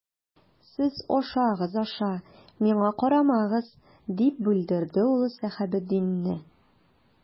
Сез ашагыз, аша, миңа карамагыз,— дип бүлдерде ул Сәхәбетдинне.